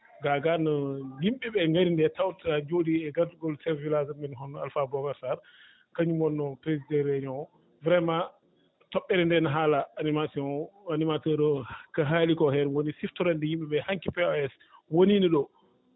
gaa gaa no yimɓe ɓe ngari ndee tawtoraa jooni e gartugol chef de village amin hono Alpha Bocara Sarr kañum wonnoo e présidé réunion o vraiment toɓɓere nde no haala animation o animateur o ko haali ko heen woni siftorande yimɓe ɓe hanki POAS woniino ɗoo